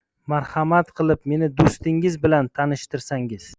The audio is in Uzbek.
marhamat qilib meni d'stingiz bilan tanishtirsangiz